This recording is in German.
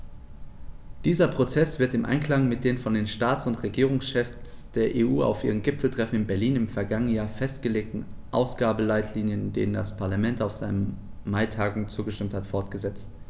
Dieser Prozess wird im Einklang mit den von den Staats- und Regierungschefs der EU auf ihrem Gipfeltreffen in Berlin im vergangenen Jahr festgelegten Ausgabenleitlinien, denen das Parlament auf seiner Maitagung zugestimmt hat, fortgesetzt.